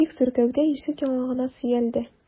Бик зур гәүдә ишек яңагына сөялде.